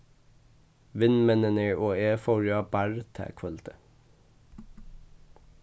vinmenninir og eg fóru á barr tað kvøldið